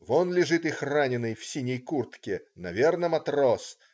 Вон лежит их раненый в синей куртке, наверное матрос.